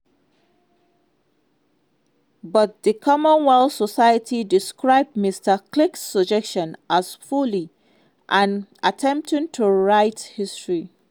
But the Cromwell Society described Mr Crick's suggestion as "folly" and "attempting to rewrite history."